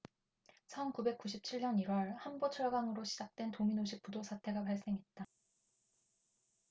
천 구백 구십 칠 년 일 월 한보 철강으로 시작된 도미노식 부도 사태가 발생했다